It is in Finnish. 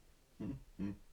huh huh